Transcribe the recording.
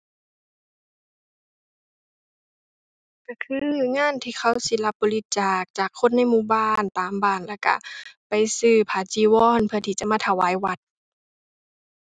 ก็คืองานที่เขาสิรับบริจาคจากคนในหมู่บ้าน ตามบ้าน แล้วก็ ไปซื้อผ้าจีวรเพื่อที่จะมาถวายวัด